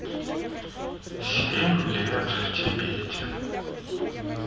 семь лет в тибете